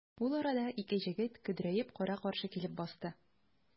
Ул арада ике җегет көдрәеп кара-каршы килеп басты.